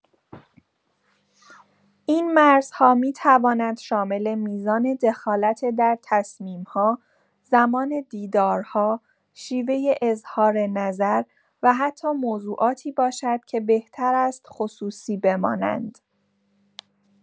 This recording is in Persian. این مرزها می‌تواند شامل میزان دخالت در تصمیم‌ها، زمان دیدارها، شیوه اظهار نظر و حتی موضوعاتی باشد که بهتر است خصوصی بمانند.